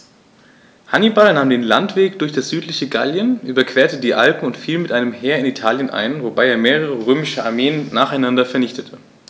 Hannibal nahm den Landweg durch das südliche Gallien, überquerte die Alpen und fiel mit einem Heer in Italien ein, wobei er mehrere römische Armeen nacheinander vernichtete.